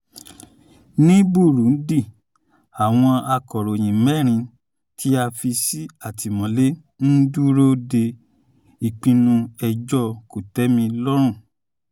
Ní Burundi, àwọn akọ̀ròyìn mẹ́rin tí a fi sátìmọ́lé ń dúró de ìpinnu ẹjọ́ kòtẹ́milọ́rùn